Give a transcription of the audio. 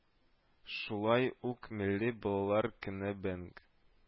Шулай ук милли балалар көне бенг